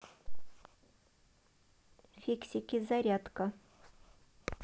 фиксики зарядка